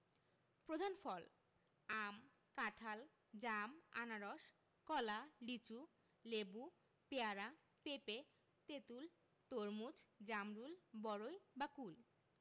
প্রধান ফলঃ আম কাঁঠাল জাম আনারস কলা লিচু লেবু পেয়ারা পেঁপে তেঁতুল তরমুজ জামরুল বরই বা কুল